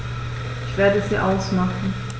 Ich werde sie ausmachen.